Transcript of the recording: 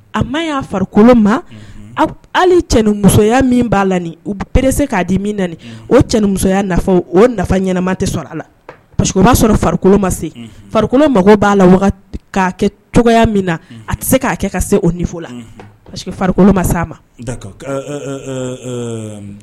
A ma y'a farikolo ma halimusoya min b'a la nin u bere se k'a di min na omusoya nafa o nafa ɲɛnama tɛ sɔrɔ a la que b'a sɔrɔ farikolo ma se farikolokolo mako b'a laa kɛ cogoya min na a tɛ se k'a kɛ ka se ofo la ma s a ma